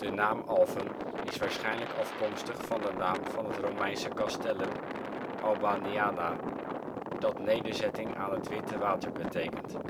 naam Alphen is waarschijnlijk afkomstig van de naam van het Romeinse castellum Albanianae, dat " nederzetting aan het witte water " betekent